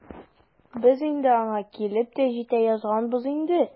Без инде аңа килеп тә җитә язганбыз икән.